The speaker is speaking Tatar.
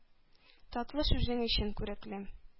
Татлы сүзең өчен, күреклем!